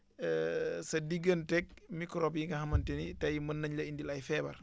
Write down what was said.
sa digganteeg microbe yi nga xamante ni tey mën nañ la indil ay feebar